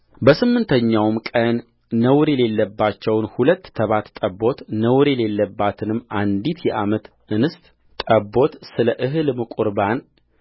በስምንተኛውም ቀን ነውር የሌለባቸውን ሁለት ተባት ጠቦት ነውር የሌለባትንም አንዲት የዓመት እንስት ጠቦት ስለ እህልም ቍርባን